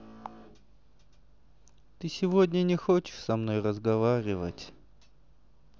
ты сегодня не хочешь со мной разговаривать